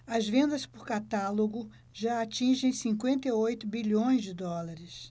as vendas por catálogo já atingem cinquenta e oito bilhões de dólares